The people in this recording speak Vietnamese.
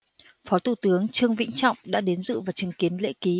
phó thủ tướng trương vĩnh trọng đã đến dự và chứng kiến lễ ký